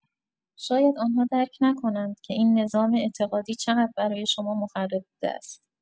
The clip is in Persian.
شاید آن‌ها درک نکنند که این نظام اعتقادی چقدر برای شما مخرب بوده است.